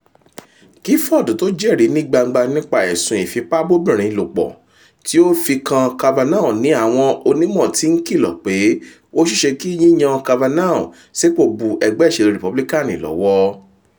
Kí Ford tó jẹ́rìí ní gbangba nípa ẹ̀sùn ìfipábóbìnrin lòpọ̀ tí ó fi kan Kavanaugh ni àwọn onímọ̀ ti ń kìlọ̀ pé ó ṣeéṣe kí yíyan Kavanaugh sípò bu ẹgbẹ́ ìṣèlú Rìpúbílíkáànì lọ́wọ́.